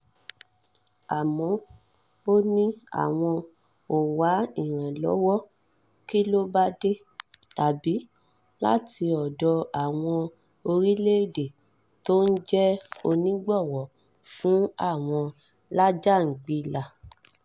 Àmọ́ ‘ò ní àwọn ‘ò wá ìrànlọ́wọ́ kílóbádé tàbí láti ọ̀dọ̀ àwọn orílẹ̀-èdè t’ọ́n jẹ́ onígbọ̀wọ́ fún àwọn lájàngbìlà.